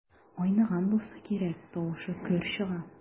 Айныган булса кирәк, тавышы көр чыга.